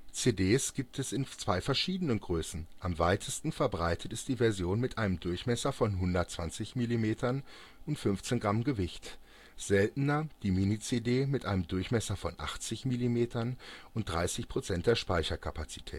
CDs gibt es in zwei verschiedenen Größen, am weitesten verbreitet ist die Version mit einem Durchmesser von 120 mm und 15 Gramm Gewicht, seltener die Mini-CD mit einem Durchmesser von 80 mm und 30 % der Speicherkapazität